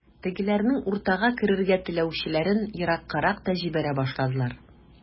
Тегеләрнең уртага керергә теләүчеләрен ераккарак та җибәрә башладылар.